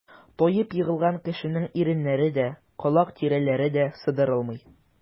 Таеп егылган кешенең иреннәре дә, колак тирәләре дә сыдырылмый.